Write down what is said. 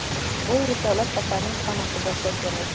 bu risolat opaning xonasi bo'lsa kerak